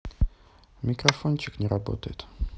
микрофончик не работает